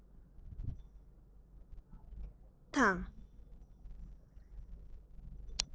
གདེང ཆ དང